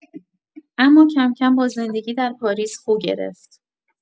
اما کم‌کم با زندگی در پاریس خو گرفت.